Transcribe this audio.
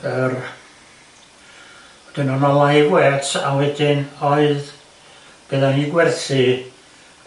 yr 'dyn o' 'na live weight a wedyn oedd be odda ni'n gwerthu...